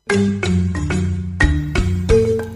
Wa